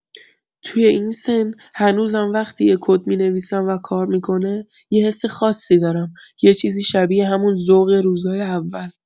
توی این سن، هنوز هم وقتی یه کد می‌نویسم و کار می‌کنه، یه حس خاصی دارم، یه چیزی شبیه همون ذوق روزای اول.